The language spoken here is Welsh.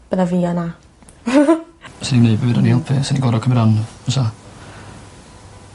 bydda fi yna. Byswn i'n neud i elpu san i gorod cymyd ran bysa.